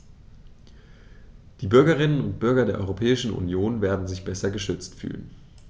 Die Bürgerinnen und Bürger der Europäischen Union werden sich besser geschützt fühlen.